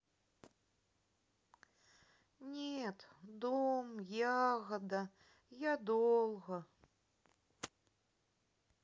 нет дом ягода я долго